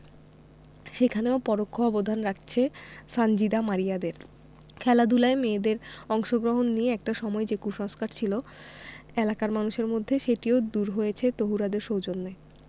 সেখানেও পরোক্ষ অবদান আছে সানজিদা মারিয়াদের খেলাধুলায় মেয়েদের অংশগ্রহণ নিয়ে একটা সময় যে কুসংস্কার ছিল এলাকার মানুষের মধ্যে সেটিও দূর হয়েছে তহুরাদের সৌজন্যে